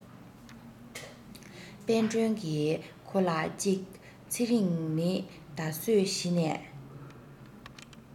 དཔལ སྒྲོན གྱིས ཁོ ལ གཅིག ཚེ རིང ནི ད གཟོད གཞི ནས